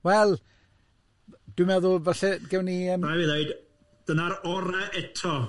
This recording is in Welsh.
Wel, dwi'n meddwl falle gewn ni yym... Rhaid fi ddweud, dyna'r orau eto.